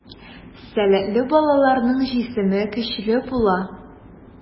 Сәләтле балаларның җисеме көчле була.